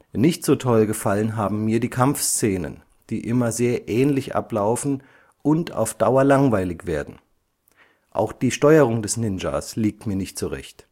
Nicht so toll gefallen haben mir die Kampf-Szenen, die immer sehr ähnlich ablaufen und auf Dauer langweilig werden. Auch die Steuerung des Ninjas liegt mir nicht so recht